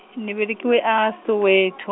ni velekiwe a- Soweto.